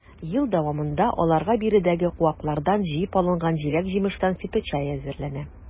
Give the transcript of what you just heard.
Ел дәвамында аларга биредәге куаклардан җыеп алынган җиләк-җимештән фиточәй әзерләнә.